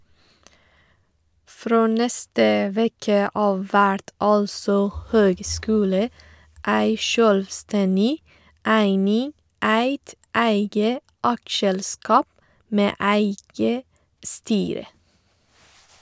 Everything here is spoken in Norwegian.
Frå neste veke av vert altså høgskulen ei sjølvstendig eining, eit eige aksjeselskap med eige styre.